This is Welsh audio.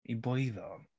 I bwy ddo?